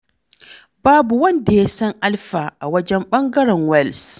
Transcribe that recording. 'Babu wanda ya san Alffa a wajen ɓangaren Wales''.